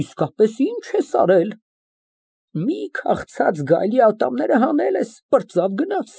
Իսկապես, ի՞նչ ես արել։ Մի քաղցած գայլի ատամները հանել ես ֊ պրծավ գնաց։